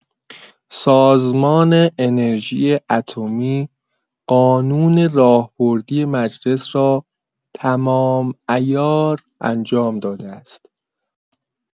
سازمان انرژی اتمی قانون راهبردی مجلس را تمام‌عیار انجام داده است.